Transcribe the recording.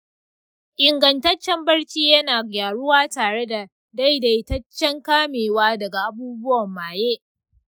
ingantaccen barci yana gyaruwa tare da daidaitaccen kamewa daga abubuwan maye.